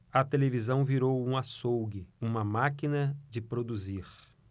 a televisão virou um açougue uma máquina de produzir